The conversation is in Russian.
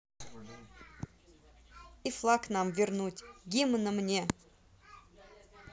и флаг нам вернуть гимна мне